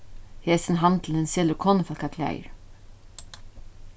hesin handilin selur konufólkaklæðir